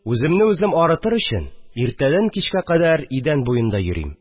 Үземне үзем арытыр өчен, ирртән кичкә кадәр идән буенда йөрим